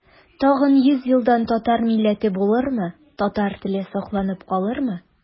Тагын йөз елдан татар милләте булырмы, татар теле сакланып калырмы?